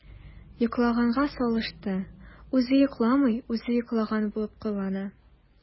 “йоклаганга салышты” – үзе йокламый, үзе йоклаган булып кылана.